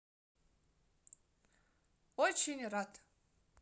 очень рад